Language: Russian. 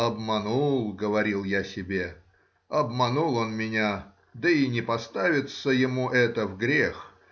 — Обманул,— говорил я себе,— обманул он меня, да и не поставится ему это в грех